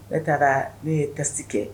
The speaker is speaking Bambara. Ne taara ne ye kasi kɛ